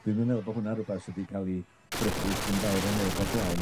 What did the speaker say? Dwi'm yn meddwl bo' hwnna rwbath sy 'di ca'l 'i grybwyll gin fawr o neb o'r blaen.